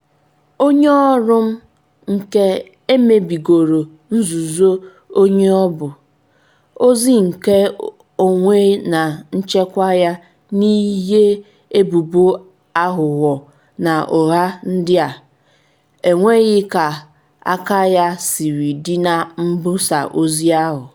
“Onye ọrụ m nke emebigoro nzuzo onye ọ bụ, ozi nkeonwe na nchekwa ya n’ihi ebubo aghụghọ na ụgha ndị a - enweghị ka aka ya siri dị na mbusa ozi ahụ.